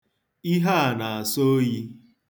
Ihe a na-asọ oyi.